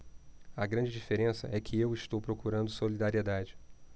a grande diferença é que eu estou procurando solidariedade